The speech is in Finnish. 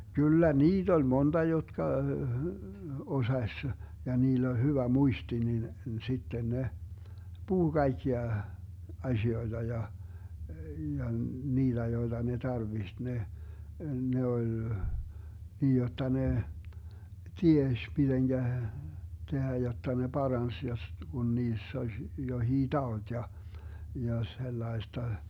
kyllä niitä oli monta jotka osasi ja niillä oli hyvä muisti niin sitten ne puhui kaikkia asioita ja ja niitä joita ne tarvitsi ne ne oli niin jotta ne tiesi miten tehdä jotta ne paransi jos kun niissä olisi jokin tauti ja ja sellaista